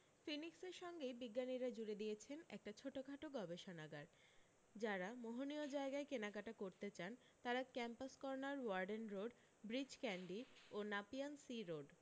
ফিনিক্সের সঙ্গেই বিজ্ঞানীরা জুড়ে দিয়েছেন একটা ছোটখাটো গবেষণাগার যারা মোহনীয় জায়গায় কেনেকাটা করতে চান তারা Campus Corner Warden Road Breach Candy ও নাপিয়ান সি রোড